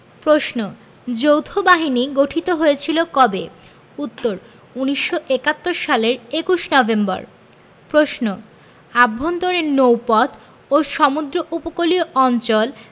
প্রশ্ন যৌথবাহিনী গঠিত হয়েছিল কবে উত্তর ১৯৭১ সালের ২১ নভেম্বর প্রশ্ন আভ্যন্তরীণ নৌপথ ও সমুদ্র উপকূলীয় অঞ্চল